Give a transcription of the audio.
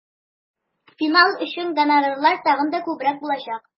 Финал өчен гонорарлар тагын да күбрәк булачак.